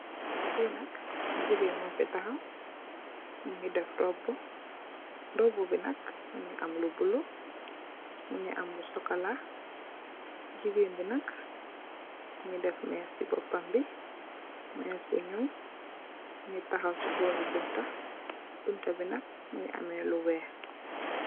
Fii nak jigéen moo fi taxaw, mu ngi def roobu, roobu bi nak, mu ngi am lu bulo, am lu sokolaa. Jigeen bi nak, mu ngi def mees si boopam bi, mees, mu ngi taxaw si boori bunta, bunta bi nak, mu ngi am lu weex.